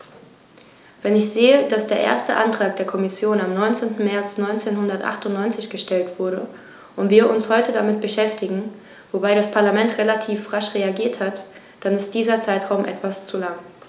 Wenn ich sehe, dass der erste Antrag der Kommission am 19. März 1998 gestellt wurde und wir uns heute damit beschäftigen - wobei das Parlament relativ rasch reagiert hat -, dann ist dieser Zeitraum etwas zu lang.